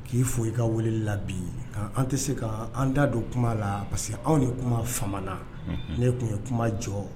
K'i fo i ka weele la bi k an tɛ se ka an da don kuma la parce que anw ye kuma fa ne tun ye kuma jɔ